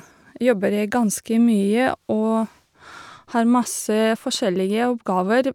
Jobber jeg ganske mye og har masse forskjellige oppgaver.